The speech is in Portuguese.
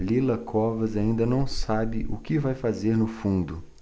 lila covas ainda não sabe o que vai fazer no fundo